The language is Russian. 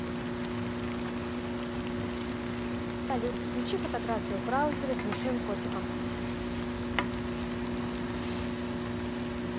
салют включи фотографию в браузере смешным котиком